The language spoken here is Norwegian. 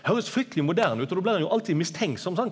høyrest frykteleg moderne ut og då blir ein jo alltid mistenksam sant.